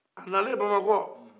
a nalen bamakɔ